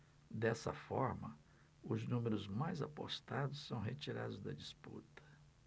dessa forma os números mais apostados são retirados da disputa